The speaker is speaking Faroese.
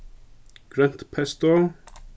grønt pesto